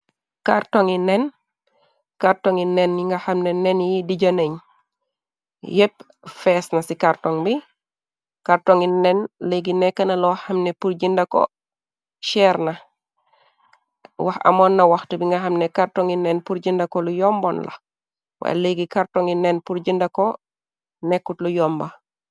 Kartongi neen, kàrtongi neen yi nga xamne nen yi dijaneñ, yépp feesna ci càrtong bi. Kartongi neen leegi nekkna lo xamne purjinda ko cheerna , wax amoon na waxte bi nga xamne kàrtongi neen purjinda ko lu yomboon la, waaye leegi kàrtongi neen purjinda ko, nekkut lu yomba.